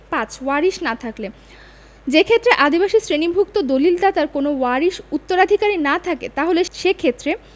৫ ওয়ারিশ না থাকলে যেক্ষেত্রে আদিবাসী শ্রেণীভুক্ত দলিদাতার কোনও ওয়ারিশ উত্তরাধিকারী না থাকে তাহলে সেক্ষেত্রে